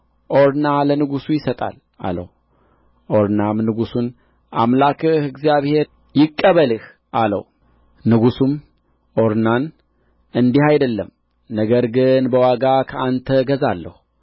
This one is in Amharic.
ኦርና ለንጉሡ ይሰጣል አለው ኦርናም ንጉሡን አምላክህ እግዚአብሔር ይቀበልህ አለው ንጉሡም ኦርናን እንዲህ አይደለም ነገር ግን በዋጋ ከአንተ እገዛለሁ